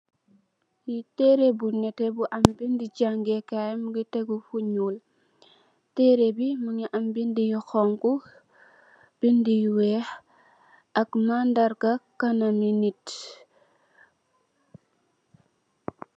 Lii tehreh bu nehteh bu am bindi jangeh kaii mungy tehgu fu njull, tehreh bii mungy am bindue yu honhu, bindue yu wekh ak mandarr gah kanami nitt.